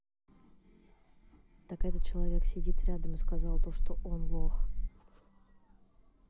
так этот человек сидит рядом и сказал то что он лох